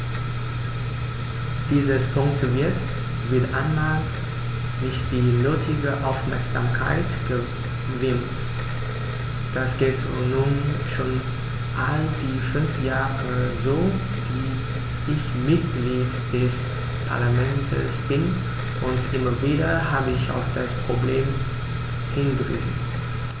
Diesem Punkt wird - wieder einmal - nicht die nötige Aufmerksamkeit gewidmet: Das geht nun schon all die fünf Jahre so, die ich Mitglied des Parlaments bin, und immer wieder habe ich auf das Problem hingewiesen.